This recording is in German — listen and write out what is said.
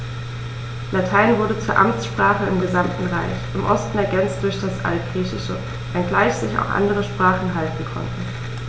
Latein wurde zur Amtssprache im gesamten Reich (im Osten ergänzt durch das Altgriechische), wenngleich sich auch andere Sprachen halten konnten.